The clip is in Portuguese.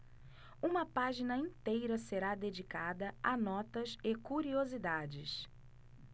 uma página inteira será dedicada a notas e curiosidades